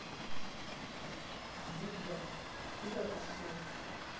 буба куда пошел